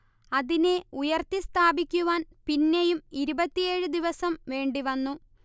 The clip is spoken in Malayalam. അതിനെ ഉയർത്തി സ്ഥാപിക്കുവാൻ പിന്നെയും ഇരുപത്തിയേഴ് ദിവസം വേണ്ടിവന്നു